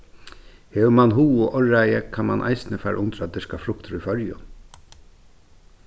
hevur mann hug og áræði kann mann eisini fara undir at dyrka fruktir í føroyum